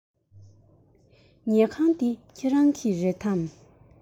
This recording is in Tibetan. ཉལ ཁང འདི ཁྱེད རང གི རེད པས